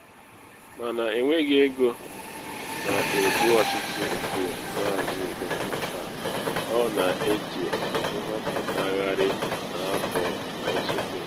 Mana enweghị ego na egbu ọchịchị nke Maazị Joko ka ọ na eche nhọpụtagharị n’afọ na esote.